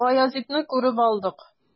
Баязитны күреп алдык.